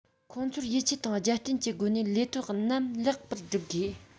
ཁོང ཚོར ཡིད ཆེས དང རྒྱབ རྟེན གྱི སྒོ ནས ལས དོན རྣམས ལེགས པར སྒྲུབ དགོས